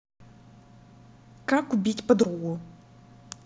как убить подругу